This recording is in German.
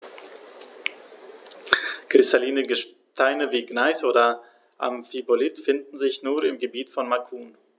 Kristalline Gesteine wie Gneis oder Amphibolit finden sich nur im Gebiet von Macun.